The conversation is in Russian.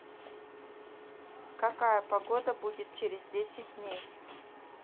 какая погода будет через десять дней